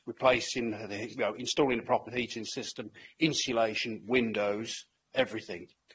Replacing, you know, installing a proper heating system, insulation, windows, everything.